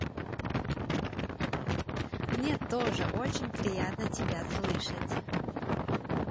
мне тоже очень приятно тебя слышать